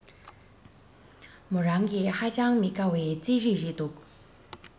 མོ རང གི ཧ ཅང མི དགའ བའི རྩིས རིག རེད འདུག